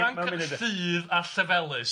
Ocê cyfranc Lludd a Llefelys.